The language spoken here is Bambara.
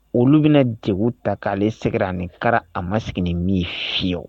Olu bɛna dégun ta k'ale sɛgɛrɛ ani nara k'ale sɛgɛrɛ a ma sigi ni min ye fihewu.